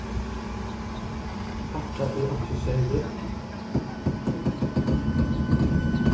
hatta er einki serligt